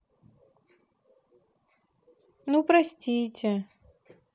ну простите